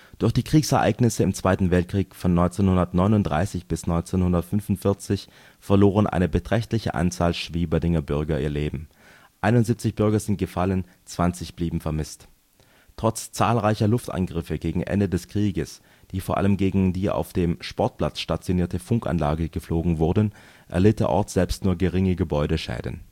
Durch die Kriegsereignisse im Zweiten Weltkrieg von 1939 - 1945 verloren eine beträchtliche Anzahl Schwieberdinger Bürger ihr Leben. 71 Bürger sind gefallen, 20 blieben vermisst. Trotz zahlreicher Luftangriffe gegen Ende des Krieges, die vor allem gegen die auf dem Sportplatz stationierte Funkanlage geflogen wurden, erlitt der Ort selbst nur geringe Gebäudeschäden